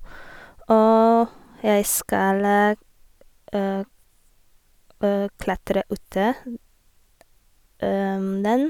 Og jeg skal klatre ute den.